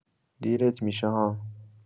دیرت می‌شه ها